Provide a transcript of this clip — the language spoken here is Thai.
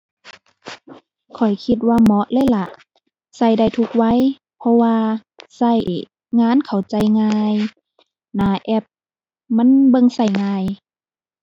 ข้อยคิดว่าเหมาะเลยล่ะ ใช้ได้ทุกวัย เพราะว่าใช้งานเข้าใจง่าย หน้าแอปมันเบิ่งใช้ง่าย